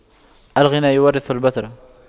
الغنى يورث البطر